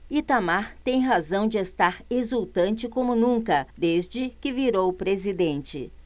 itamar tem razão de estar exultante como nunca desde que virou presidente